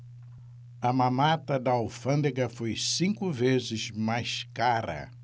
a mamata da alfândega foi cinco vezes mais cara